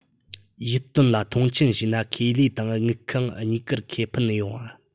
ཡིད རྟོན ལ མཐོང ཆེན བྱས ན ཁེ ལས དང དངུལ ཁང གཉིས ཀར ཁེ ཕན ཡོང བ